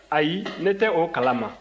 ayi ne tɛ o kala ma